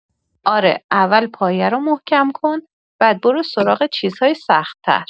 آره، اول پایه رو محکم کن، بعد برو سراغ چیزهای سخت‌تر.